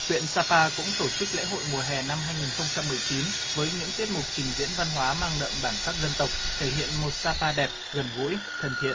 huyện sa pa cũng tổ chức lễ hội mùa hè năm hai nghìn không trăm mười chín với những tiết mục trình diễn văn hóa mang đậm bản sắc dân tộc thể hiện một sa pa đẹp gần gũi thân thiện